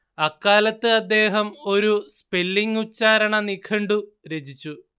അക്കാലത്ത് അദ്ദേഹം ഒരു സ്പെല്ലിങ്ങ് ഉച്ചാരണ നിഘണ്ടു രചിച്ചു